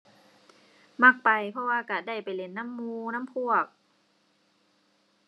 มักไป เพราะว่าก็ได้ไปเล่นนำหมู่นำพวก